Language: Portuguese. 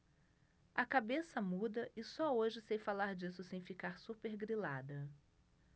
a cabeça muda e só hoje sei falar disso sem ficar supergrilada